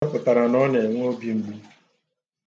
A chọpụtara na ọ na-enwe obi mgbu